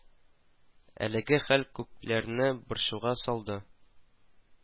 Әлеге хәл күпләрне борчуга салды